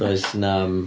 Does 'nam...